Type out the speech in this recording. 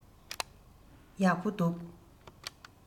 ཡག པོ འདུག